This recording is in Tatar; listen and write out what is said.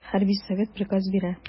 Хәрби совет приказ бирә.